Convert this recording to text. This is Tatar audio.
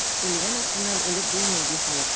Үлгән артыннан үлеп булмый, ди халык.